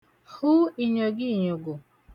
hụ ìnyògì ìnyògò